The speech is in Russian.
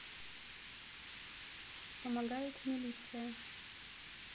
помогает милиция